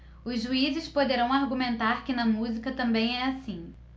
os juízes poderão argumentar que na música também é assim